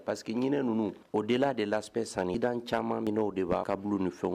Parce que minɛn ninnu au delà de l'aspect sanitaire caman minɛw de ba kɔnɔ câble ni fɛn ninnu